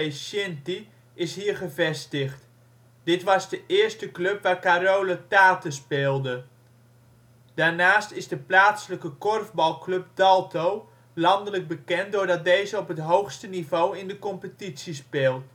Shinty is hier gevestigd; dit was de eerste club waarbij Carole Thate speelde. Daarnaast is de plaatselijke korfbalclub DALTO landelijk bekend doordat deze op het hoogste niveau in de competitie speelt